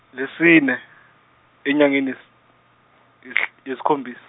lesine enyangeni ye- yeshl- yesikhombisa.